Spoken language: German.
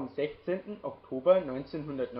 16. Oktober 1969